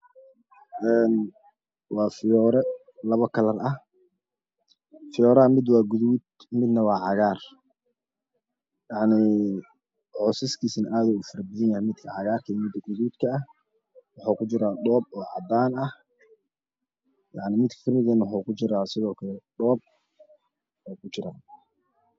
Een waa fiyoore laba kalar ah fiyooraha midna waa guduud midna waa caagaar yacnii coosaskiisana aduu ufarabadan yahay midka cagaarka ah iyo midka guduudka ahba waxuu kujiraa dhoob oo cadaan ah yacni midkamid ahana sidoo kale waxa uu kukiraa dhoob